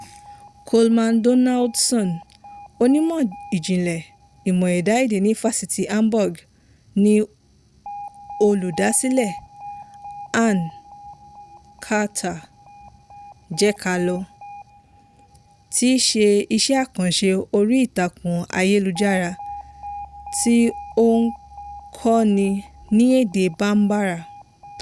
Coleman Donaldson, onímọ̀ ìjìnlẹ̀ ìmọ̀ ẹ̀dá èdè ní Fáṣítì Hamburg ni olùdásílẹ̀ An ka taa ("jẹ́ ká lọ") tíí ṣe iṣẹ́ àkànṣe orí ìtàkùn ayélujára tí ó ń kọ́ ni ní èdè Bambara.